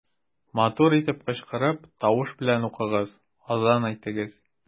Матур итеп кычкырып, тавыш белән укыгыз, азан әйтегез.